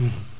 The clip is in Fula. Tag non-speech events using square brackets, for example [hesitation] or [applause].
[hesitation] [hesitation]